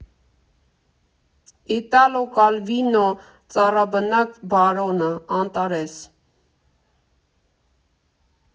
ԻՏԱԼՈ ԿԱԼՎԻՆՈ, ԾԱՌԱԲՆԱԿ ԲԱՐՈՆԸ, ԱՆՏԱՐԵՍ։